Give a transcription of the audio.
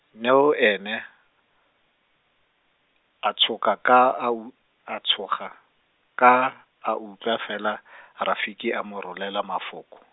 Neo ene, a tshoka ka a u-, a tshoga, ka, a utlwa fela , Rafiki a mo rolela mafoko.